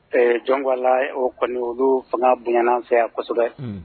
Ee jɔn ko Ala olu kɔni fanga boɲala anw fɛ yan kosɛbɛ.